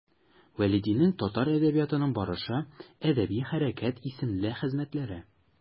Вәлидинең «Татар әдәбиятының барышы» (1912), «Әдәби хәрәкәт» (1915) исемле хезмәтләре.